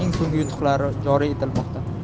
eng so'nggi yutuqlari joriy etilmoqda